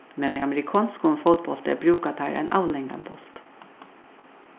men í amerikonskum fótbólti brúka teir ein avlangan bólt